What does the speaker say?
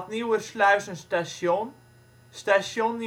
Nieuwersluis een station, station